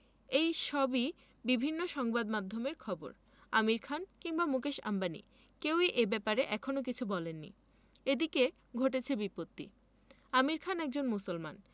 এই সবই বিভিন্ন সংবাদমাধ্যমের খবর আমির খান কিংবা মুকেশ আম্বানি কেউই এ ব্যাপারে এখনো কিছু বলেননি এদিকে ঘটেছে বিপত্তি আমির খান একজন মুসলমান